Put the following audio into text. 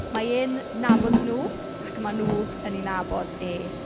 Mae e'n nabod nhw ac ma' nhw yn ei nabod e.